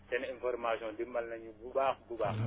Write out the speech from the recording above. seen information dimbale nañu bu baax bu baax